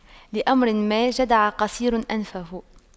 لأمر ما جدع قصير أنفه